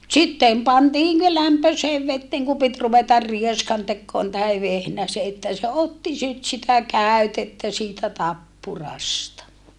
sitten pantiin ne lämpöiseen veteen kun piti ruveta rieskantekoon tai vehnäsen että se otti sitten sitä käytettä siitä tappurasta